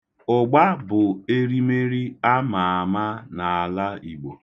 Ụgba bụ erimeri a ma ama n'ala Igbo.